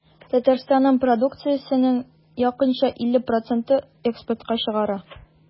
Татарстан продукциясенең якынча 50 процентын экспортка чыгара.